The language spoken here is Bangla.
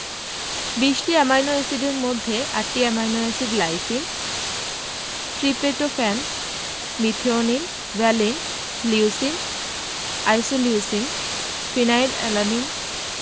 ২০টি অ্যামাইনো এসিডের মধ্যে ৮টি amino acid lysine tryptophan methionine valine leucine isoleucine phenyl alanine